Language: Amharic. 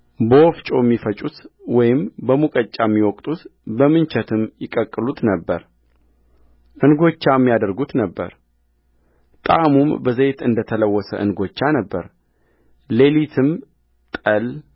በወፍጮም ይፈጩት ወይም በሙቀጫ ይወቅጡት በምንቸትም ይቀቅሉት ነበር እንጐቻም ያደርጉት ነበር ጣዕሙም በዘይት እንደ ተለወሰ እንጐቻ ነበረሌሊትም ጠል